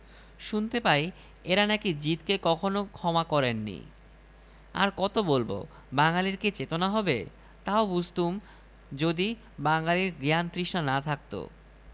এক রাজা তাঁর হেকিমের একখানা বই কিছুতেই বাগাতে না পেরে তাঁকে খুন করেন বই হস্তগত হল রাজা বাহ্যজ্ঞান হারিয়ে বইখানা পড়ছেন